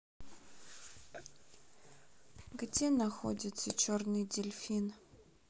где находится черный дельфин